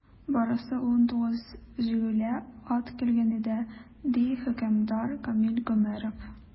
Барысы 19 җигүле ат килгән иде, - ди хөкемдар Камил Гомәров.